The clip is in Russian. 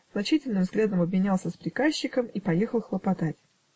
значительным взглядом обменялся с приказчиком и поехал хлопотать.